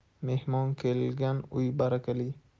mehmon kelgan uy barakali